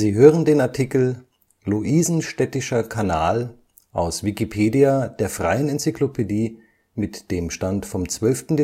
hören den Artikel Luisenstädtischer Kanal, aus Wikipedia, der freien Enzyklopädie. Mit dem Stand vom Der